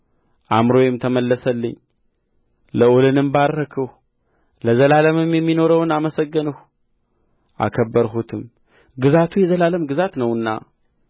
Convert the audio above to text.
አእምሮዬም ተመለሰልኝ ልዑሉንም ባረክሁ ለዘላለምም የሚኖረውን አመሰገንሁ አከበርሁትም ግዛቱ የዘላለም ግዛት ነውና